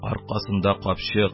Аркасында капчык